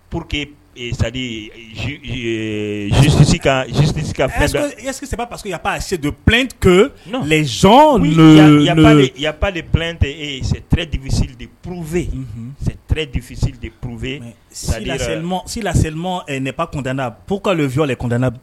Pur que sazsikasisikas saba paseke a sedu p z yali de tɛ sɛ t defisili de purpe sɛ t defisi de pure salalasli ba kuntanna pkay de tuntanana